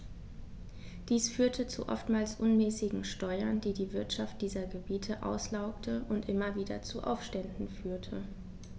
Dies führte zu oftmals unmäßigen Steuern, die die Wirtschaft dieser Gebiete auslaugte und immer wieder zu Aufständen führte.